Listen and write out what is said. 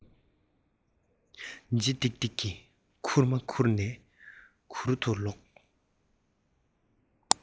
ལྗིད ཏིག ཏིག གི ཁུག མ ཁུར ནས གུར དུ ལོག